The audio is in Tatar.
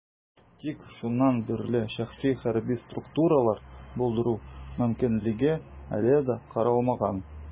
Тик шуннан бирле шәхси хәрби структуралар булдыру мөмкинлеге әле дә каралмаган.